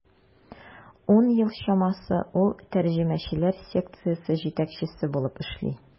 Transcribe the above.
Ун ел чамасы ул тәрҗемәчеләр секциясе җитәкчесе булып эшли.